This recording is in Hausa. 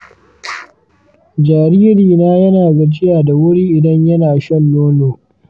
jaririna yana gajiya da wuri idan yana shan nono.